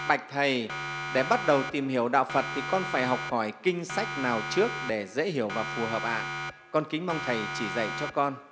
bạch thầy để bắt đầu tìm hiểu đạo phật thì con phải học hỏi kinh sách nào trước để dễ hiểu và phù hợp ạ con kính mong thầy chỉ dạy cho con